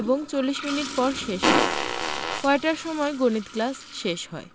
এবং ৪০ মিনিট পর শেষ হয় কয়টার সময় গণিত ক্লাস শেষ হয়